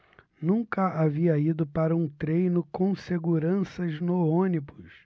nunca havia ido para um treino com seguranças no ônibus